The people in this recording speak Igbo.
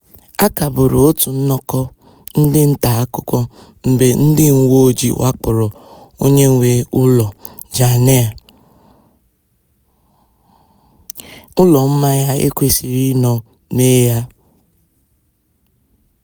A kagburu otu nnọkọ ndị ntaakụkọ mgbe ndị uweojii wakporo onye nwe ụlọ Janeer, ụlọ mmanya e kwesịrị ịnọ mee ya.